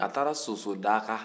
a taara sosodaga